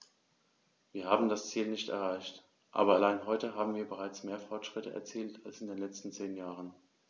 Wir haben das Ziel nicht erreicht, aber allein heute haben wir bereits mehr Fortschritte erzielt als in den letzten zehn Jahren.